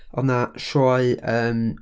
Oedd 'na sioe, yym...